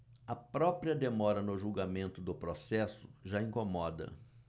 a própria demora no julgamento do processo já incomoda